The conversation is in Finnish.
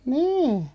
niin